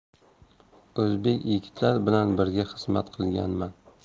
o'zbek yigitlar bilan birga xizmat qilganman